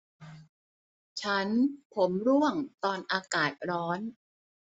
ฉันผมร่วงตอนอากาศร้อน